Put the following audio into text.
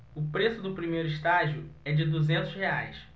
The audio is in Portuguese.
o preço do primeiro estágio é de duzentos reais